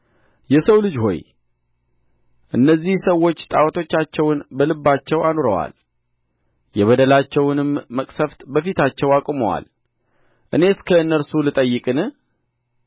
የሰው ልጅ ሆይ እነዚህ ሰዎች ጣዖቶቻቸውን በልባቸው አኑረዋል የበደላቸውንም መቅሠፍት በፊታቸው አቁመዋል እኔስ ከእነርሱ ልጠየቅን